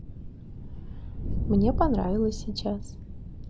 мне понравилось сейчас